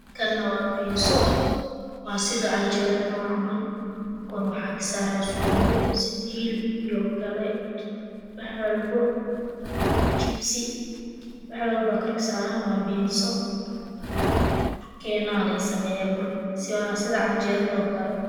Kan waa "biinso" mahan ee waa biiso sida canjeelada camal . kor waxaa ka saaran suugo sida hilibkii oo kale. Wax walbo jibsi. Wax waxbaa korka ka saaran waa biiso. Keenaa laga sameeya burka. sida canjeelada oo kale